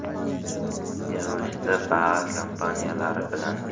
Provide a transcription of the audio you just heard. yig'ilishda baa kompaniyalari bilan